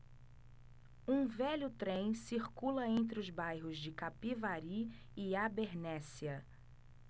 um velho trem circula entre os bairros de capivari e abernéssia